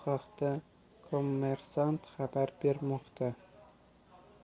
kommersant xabar bermoqda